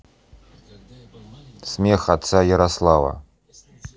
смех отца ярослава